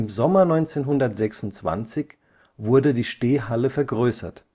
Sommer 1926 wurde die Stehhalle vergrößert